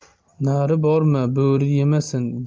nari borma bo'ri yemasin